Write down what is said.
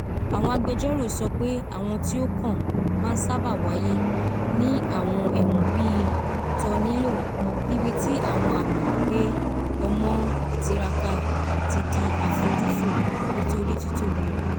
Awọn agbẹjọro sọ pe awọn ti o kan maa n saba waye ni awọn ẹwọn bii Tornillo, nibi ti awọn ami pe ọmọ n tiraka ti di afojufo, nitori titobi rẹ.